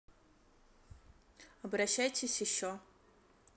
обращайтесь еще